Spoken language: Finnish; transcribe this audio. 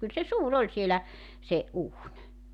kyllä se suuri oli siellä se uuni